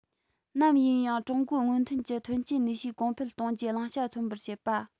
ནམ ཡིན ཡང ཀྲུང གོའི སྔོན ཐོན གྱི ཐོན སྐྱེད ནུས ཤུགས གོང འཕེལ གཏོང རྒྱུའི བླང བྱ མཚོན པར བྱེད པ